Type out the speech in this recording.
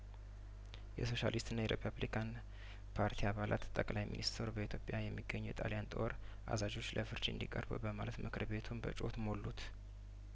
የሶሻሊስትና የሪፐብሊካን ፓርቲ አባላት ጠቅላይ ሚኒስትር በኢትዮጵያ የሚገኙት የጣሊያን ጦር አዛዦች ለፍርድ እንዲ ቀርቡ በማለት ምክር ቤቱን በጩኸት ሞሉት